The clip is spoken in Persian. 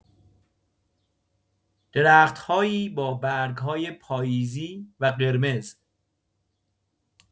درخت‌هایی با برگ‌های پاییزی و قرمز